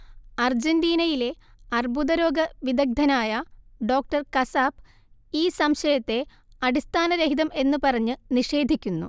അർജന്റീനിയയിലെ അർബുദരോഗവിദഗ്ദനായ ഡോക്ടർ കസാപ് ഈ സംശയത്തെ അടിസ്ഥാനരഹിതം എന്നു പറഞ്ഞ് നിഷേധിക്കുന്നു